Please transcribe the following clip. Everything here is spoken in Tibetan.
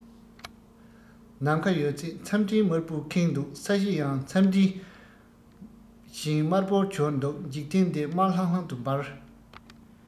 ནམ མཁའ ཡོད ཚད མཚམས སྤྲིན དམར པོའི ཁེངས འདུག ས གཞི ཡང མཚམས སྤྲིན བཞིན དམར པོ གྱུར འདུག འཇིག རྟེན འདི དམར ལྷང ལྷང དུ འབར